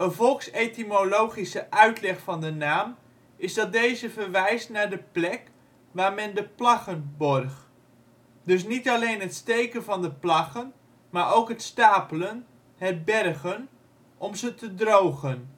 volksetymologische uitleg van de naam is dat deze verwijst naar de plek waar men de plaggen borg. Dus niet alleen het steken van de plaggen maar ook het stapelen (het bergen) om ze te drogen